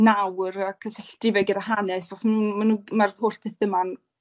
nawr a cysylltu fe gyda hanes 'chos m- m- ma' nw ma'r holl pethe 'ma'n